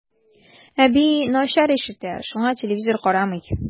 Әби начар ишетә, шуңа телевизор карамый.